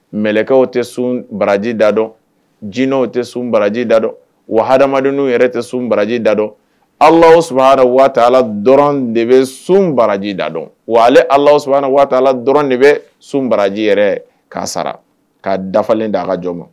Mkaw tɛ sun baraji da dɔn jinɛinɛw tɛ sun baraji da dɔn wa hadenw yɛrɛ tɛ sun baraji da dɔn ala sra waala dɔrɔn de bɛ sun baraji da dɔn wa ale ala sla dɔrɔn de bɛ sun baraji yɛrɛ k'a sara kaa dafalen d'a ka jɔn ma